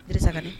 Dirisa ka ni